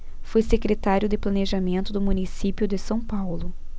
foi secretário de planejamento do município de são paulo